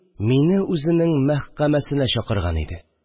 Мине үзенең мәхкәмәсенә чакырган иде